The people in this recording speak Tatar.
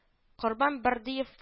Корбан Бәрдыев